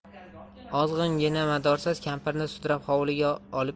ozg'ingina madorsiz kampirni sudrab hovliga olib